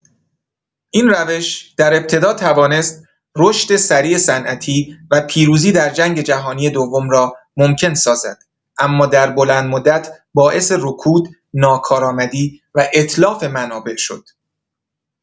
این روش در ابتدا توانست رشد سریع صنعتی و پیروزی در جنگ جهانی دوم را ممکن سازد، اما در بلندمدت باعث رکود، ناکارآمدی و اتلاف منابع شد.